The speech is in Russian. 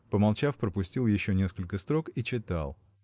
Помолчав, пропустил еще несколько строк и читал